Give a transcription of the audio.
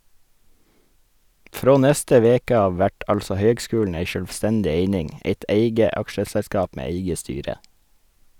Frå neste veke av vert altså høgskulen ei sjølvstendig eining , eit eige aksjeselskap med eige styre.